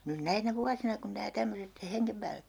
nyt näinä vuosina kun nämä tämmöiset että hengen päälle käydään